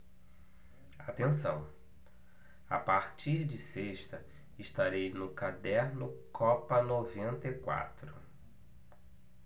atenção a partir de sexta estarei no caderno copa noventa e quatro